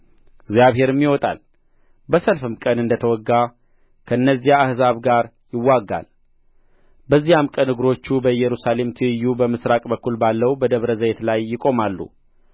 እግዚአብሔርም ይወጣል በሰልፍም ቀን እንደ ተዋጋ ከእነዚያ አሕዛብ ጋር ይዋጋል በዚያም ቀን እግሮቹ በኢየሩሳሌም ትይዩ በምሥራቅ በኩል ባለው በደብረ ዘይት ላይ ይቆማሉ